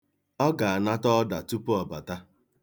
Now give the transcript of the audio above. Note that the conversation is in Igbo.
Ọ ga-anata ọda tupu ọ bata.